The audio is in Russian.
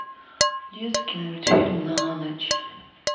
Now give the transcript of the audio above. детский мультфильм на ночь